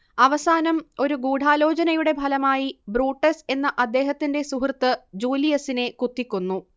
അവസാനം ഒരു ഗൂഡാലോചനയുടെ ഫലമായി ബ്രൂട്ടസ് എന്ന അദ്ദേഹത്തിന്റെ സുഹൃത്ത് ജൂലിയസിനെ കുത്തിക്കൊന്നു